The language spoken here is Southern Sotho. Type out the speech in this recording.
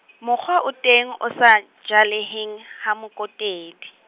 mokgwa o teng, o sa jaleheng ha Mokotedi.